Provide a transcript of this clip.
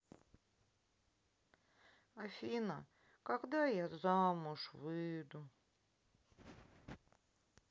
афина когда я замуж выйду